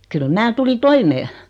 kyllä minä tulin toimeen